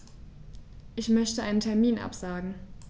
Ich möchte einen Termin absagen.